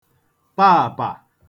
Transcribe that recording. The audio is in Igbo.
paàpà